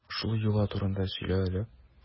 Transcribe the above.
Шул йола турында сөйлә әле.